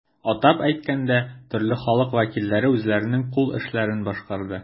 Атап әйткәндә, төрле халык вәкилләре үзләренең кул эшләрен башкарды.